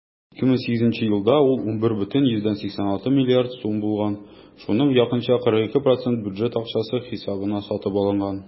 2008 елда ул 11,86 млрд. сум булган, шуның якынча 42 % бюджет акчасы хисабына сатып алынган.